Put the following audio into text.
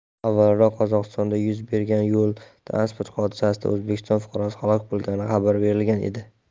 avvalroq qozog'istonda yuz bergan yo transport hodisasida o'zbekiston fuqarosi halok bo'lgani xabar berilgan edi